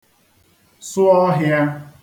sụ ọ̄hịā